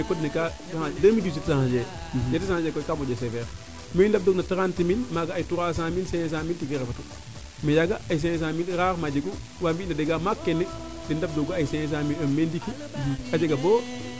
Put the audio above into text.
code ne kaa 2018 changer eeyete changer na koy ka moƴo severe bo i ndamb doogina trente mille maaga ay trois cent mille cinq cent mille tiye refu mais yaaga ay cinq cent mille rarement jeg'u waa mbina dega maaka keene den ndamb doogu ay cinq cent mille mais ndiiki a jega boo